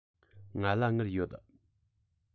ང ལ དངུལ ཡོད